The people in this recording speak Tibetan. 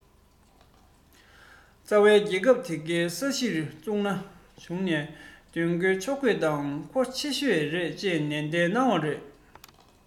རྩ བ རྒྱལ ཁབ དེ གའི ས གཞིར ཚུགས ན བྱུང ན བློས འགེལ ཆོག ཤོས དང མཁོ ཆེ ཤོས རེད ཅེས ནན བཤད གནང བ རེད